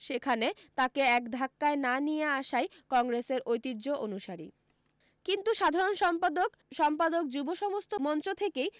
সেখানে তাঁকে এক ধাক্কায় নিয়ে না আসাই কংগ্রেসের ঐতিহ্য অনুসারী কিন্তু সাধারণ সম্পাদক সম্পাদক যুব সমস্ত মঞ্চ থেকেই